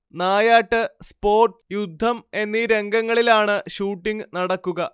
നായാട്ട്, sports, യുദ്ധം എന്നീ രംഗങ്ങളിലാണ് ഷൂട്ടിംഗ് നടക്കുക